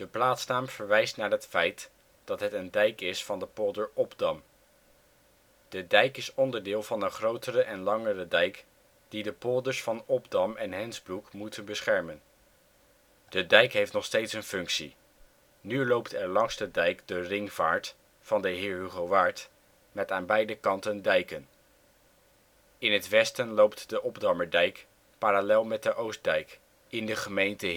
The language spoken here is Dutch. plaatsnaam verwijst naar het feit dat het een dijk is van de polder Obdam. De dijk is onderdeel van een grotere en langere dijk die de polders van Obdam en Hensbroek moesten beschermen. De dijk heeft nog steeds een functie. Nu loopt er langs de dijk de ringvaart van de Heerhugowaard met aan beide kanten dijken. In het westen loopt de Obdammerdijk parallel met de Oostdijk, in de gemeente